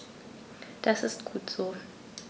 Das ist gut so.